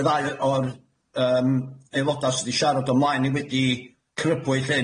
neu ddau o'r yym aeloda' sy' 'di siarad o 'mlaen i wedi crybwyll